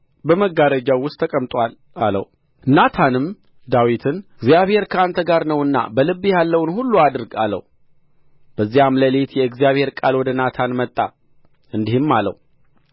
በመጋረጃዎች ውስጥ ተቀምጦአል አለው ናታንም ዳዊትን እግዚአብሔር ከአንተ ጋር ነውና በልብህ ያለውን ሁሉ አድርግ አለው በዚያም ሌሊት የእግዚአብሔር ቃል ወደ ናታን መጣ እንዲህም አለው